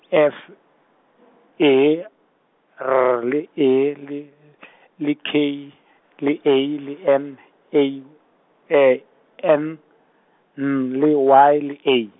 F , E, R le E le , le K, le A, le M, A M N le Y le A.